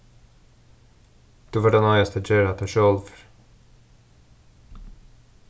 tú fert at noyðast at gera hatta sjálvur